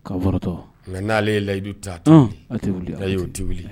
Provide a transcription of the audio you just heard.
Ka nka n'ale ye layidu tawuyi'o diwu